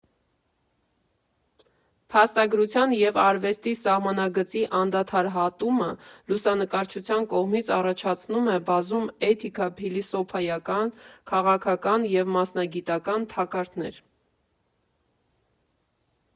Փաստագրության և արվեստի սահմանագծի անդադար հատումը լուսանկարչության կողմից առաջացնում է բազում էթիկա֊փիլիսոփայական, քաղաքական և մասնագիտական թակարդներ։